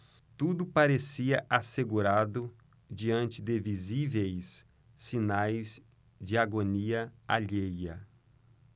tudo parecia assegurado diante de visíveis sinais de agonia alheia